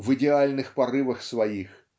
в идеальных порывах своих